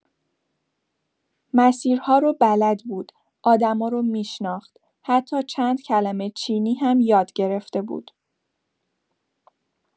مسیرها رو بلد بود، آدما رو می‌شناخت، حتی چند کلمه چینی هم یاد گرفته بود.